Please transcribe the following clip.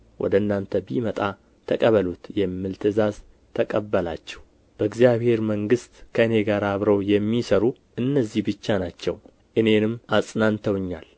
ወደ እናንተ ቢመጣ ተቀበሉት የሚል ትእዛዝ ተቀበላችሁ በእግዚአብሔር መንግሥት ከእኔ ጋር አብረው የሚሠሩት እነዚህ ብቻ ናቸው እኔንም አጽናንተውኛል